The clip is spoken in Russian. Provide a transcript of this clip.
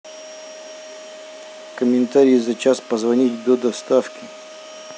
комментарий за час позвонить до доставки